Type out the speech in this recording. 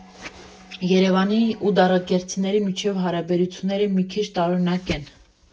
Երևանի ու դարակերտցիների միջև հարաբերությունները մի քիչ տարօրինակ են։